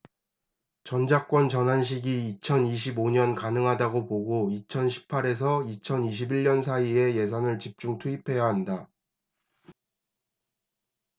전작권 전환 시기 이천 이십 오 년 가능하다고 보고 이천 십 팔 에서 이천 이십 일 년 사이에 예산을 집중 투입해야 한다